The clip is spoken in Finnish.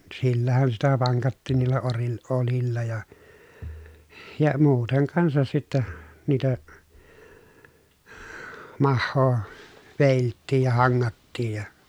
sillähän sitä vankattiin niillä - oljilla ja ja muuten kanssa sitten niitä mahaa vedeltiin ja hangattiin ja